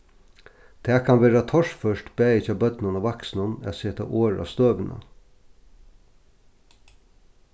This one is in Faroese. tað kann vera torført bæði hjá børnum og vaksnum at seta orð á støðuna